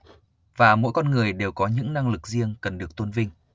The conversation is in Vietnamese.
và mỗi con người đều có những năng lực riêng cần được tôn vinh